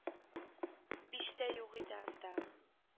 Биш тә юк иде анда